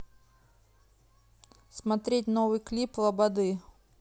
смотреть новый клип лободы